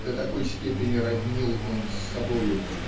до такой степени роднил он с собою